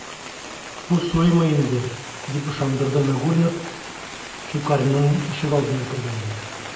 Бу суймый инде, - дип ышандырды Нагульнов Щукарьның ишегалдына кергәндә.